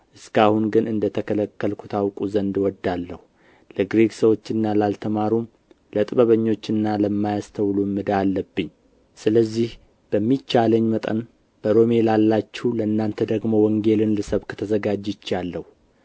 እስከ አሁን ግን እንደ ተከለከልሁ ታውቁ ዘንድ እወዳለሁ ለግሪክ ሰዎችና ላልተማሩም ለጥበበኞችና ለማያስተውሉም ዕዳ አለብኝ ስለዚህም በሚቻለኝ መጠን በሮሜ ላላችሁ ለእናንተ ደግሞ ወንጌልን ልሰብክ ተዘጋጅቼአለሁ